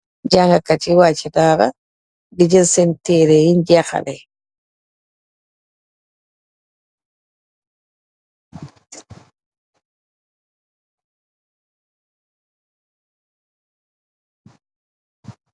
Janga Kati wacha daara, di jell seen teereyin jehaleh